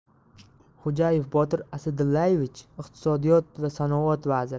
xo'jayev botir asadillayevich iqtisodiyot va sanoat vaziri